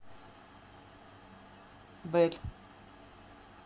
белль